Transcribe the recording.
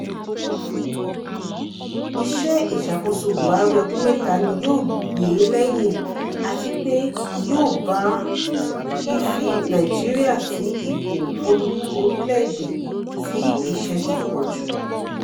Iṣẹ́ ìṣàkóso Buhari ọdún mẹ́ta ni yóò gbè é lẹ́yìn àti pé yóò bá ìfi Nàìjíríà sí ipò olú orílẹ̀-èdè tí ìṣẹ́ ti pọ̀ jù.